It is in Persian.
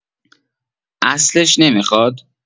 اصلش نمیخاد؟